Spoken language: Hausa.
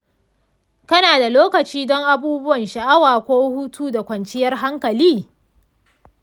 kana da lokaci don abubuwan sha'awa ko hutu da kwanciyar hankali?